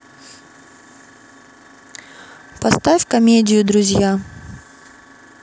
поставь комедию друзья